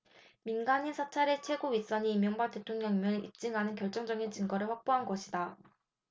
민간인 사찰의 최고 윗선이 이명박 대통령임을 입증하는 결정적인 증거를 확보한 것이다